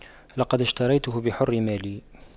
لقد اشتريته بحر مالي